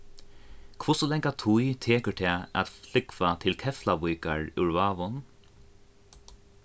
hvussu langa tíð tekur tað at flúgva til keflavíkar úr vágum